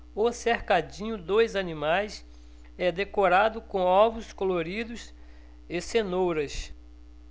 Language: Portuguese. o cercadinho dos animais é decorado com ovos coloridos e cenouras